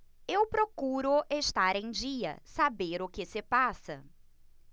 eu procuro estar em dia saber o que se passa